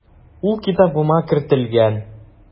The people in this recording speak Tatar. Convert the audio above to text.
Ул китабыма кертелгән.